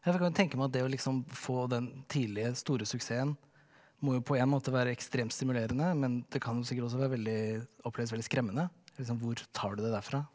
ja for jeg kan jo tenke meg at det å liksom få den tidlige store suksessen må jo på én måte være ekstremt stimulerende men det kan jo sikkert også være veldig oppleves veldig skremmende liksom hvor tar du det derfra?